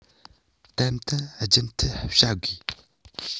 ཏན ཏན རྒྱུན མཐུད བྱ དགོས